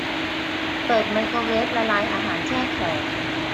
เปิดไมโครเวฟละลายอาหารแช่แข็ง